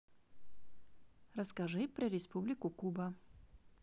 расскажи про республику куба